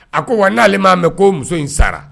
A ko wa n'ale m'a mɛn ko muso in sara